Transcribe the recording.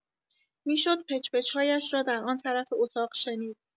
می‌شد پچ‌پچ‌هایش را در آن‌طرف اتاق شنید.